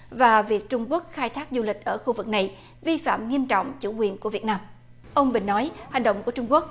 và việc trung quốc khai thác du lịch ở khu vực này vi phạm nghiêm trọng chủ quyền của việt nam ông bình nói hành động của trung quốc